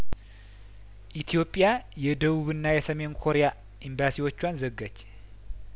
ኢትዮጵያ የደቡብና የሰሜን ኮሪያ ኤምባሲዎቿን ዘጋች